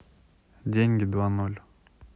деньги два ноль